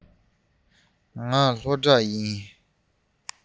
ང སློབ ཕྲག ཡིན